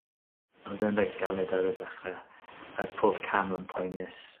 Odd e'n reit galed ar y dechre a odd pob cam yn poenus.